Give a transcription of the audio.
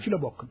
ci la bokk